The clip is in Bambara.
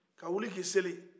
ka wuli k'i seli